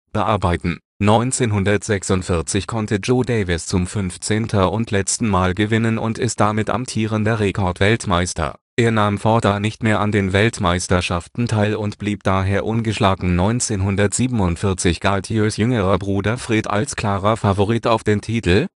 1946 konnte Joe Davis zum 15. und letzten Mal gewinnen und ist damit amtierender Rekordweltmeister. Er nahm fortan nicht mehr an den Weltmeisterschaften teil und blieb daher ungeschlagen. 1947 galt Joes jüngerer Bruder Fred als klarer Favorit auf den Titel